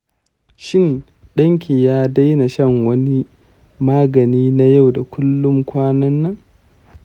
shin ɗanki ya daina shan wani magani na yau da kullum kwanan nan?